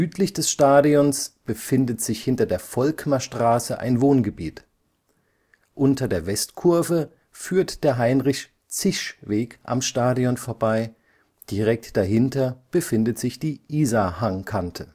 Südlich des Stadions befindet sich hinter der Volckmerstraße ein Wohngebiet. Unter der Westkurve führt der Heinrich-Zisch-Weg am Stadion vorbei, direkt dahinter befindet sich die Isarhangkante